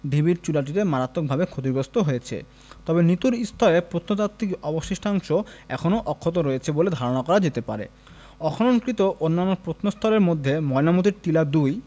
ঢিবির চূড়াটি মারাত্মকভাবে ক্ষতিগ্রস্ত হয়েছে তবে নিুতর স্তরে প্রত্নতাত্ত্বিক অবশিষ্টাংশ এখনও অক্ষত রয়েছে বলে ধারণা করা যেতে পারে অখননকৃত অন্যান্য প্রত্নস্থলের মধ্যে ময়নামতি টিলা ২